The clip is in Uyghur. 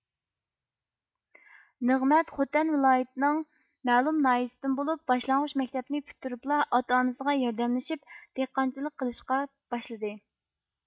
نېغمەت خوتەن ۋىلايىتىنىڭ مەلۇم ناھىيىسىدىن بولۇپ باشلانغۇچ مەكتەپنى پۈتتۈرۈپلا ئاتا ئانىسىغا ياردەملىشىپ دېھقانچىلىق قىلىشقا باشلىدى